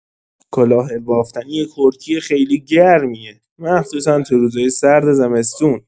کلاه بافتنی کرکی خیلی گرمیه، مخصوصا تو روزای سرد زمستون.